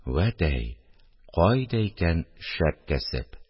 – вәт әй, кайда икән шәп кәсеп